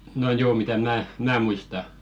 no joo mitä minä minä muistan